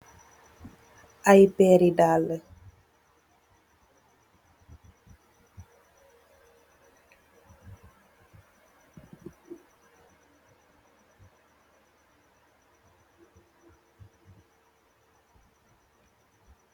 Aye perri dalluh.